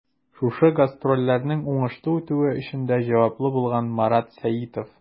Шушы гастрольләрнең уңышлы үтүе өчен дә җаваплы булган Марат Сәитов.